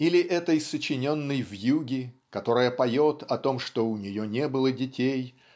или этой сочиненной вьюги которая поет о том что у нее не было детей